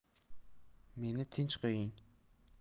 meni tinch qo'ying